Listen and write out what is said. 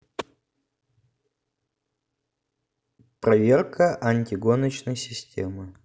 проверка анти гоночной системы